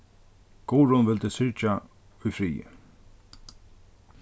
guðrun vildi syrgja í friði